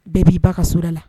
Bɛɛ b'i ba ka soda la